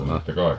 tunnette kai